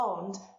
ond